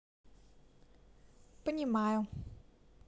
понимаю